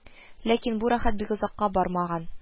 Ләкин бу рәхәт бик озакка бармаган